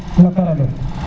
na kara le